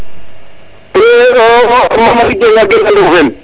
miyo mi Mamadou Dieng gena Ndofene